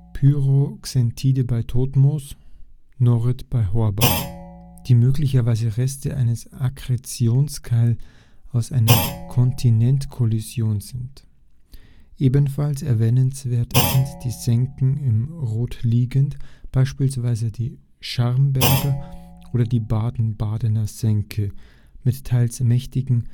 Pyroxenite bei Todtmoos, Norit bei Horbach), die möglicherweise Reste eines Akkretionskeils aus einer Kontinentkollision sind. Ebenfalls erwähnenswert sind die Senken im Rotliegend, beispielsweise die Schramberger oder die Baden-Badener Senke, mit teils mächtigen